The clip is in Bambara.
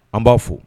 An b'a fo